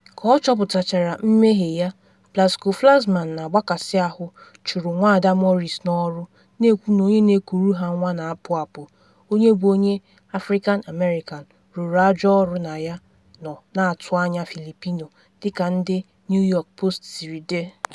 Ka ọ chọpụtachara mmehie ya, Plasco-Flaxman “na agbakasị ahụ” chụrụ Nwada Maurice n’ọrụ, na ekwu na onye na ekuru ha nwa na apụ apụ, onye bụ onye African-American, rụrụ ajọ ọrụ na ya nọ na atụ anya Filipino, dị ka ndị New York Post siri dee.